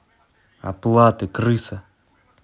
оплаты крыса